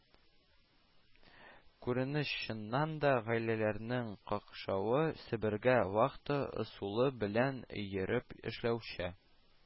Күренеш, чыннан да, гаиләләрнең какшавысебергә вахта ысулы белән йөреп эшләүче